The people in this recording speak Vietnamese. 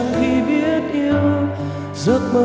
khi biết yêu giấc mơ